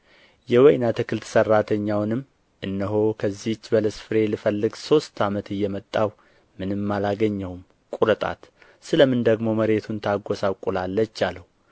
የወይን አትክልት ሠራተኛውንም እነሆ ከዚህች በለስ ፍሬ ልፈልግ ሦስት ዓመት እየመጣሁ ምንም አላገኘሁም ቍረጣት ስለ ምን ደግሞ መሬቱን ታጐሳቍላለች አለው